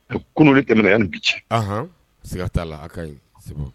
Kunun tɛmɛna yanɔnan siga t'a la a ka ɲi segu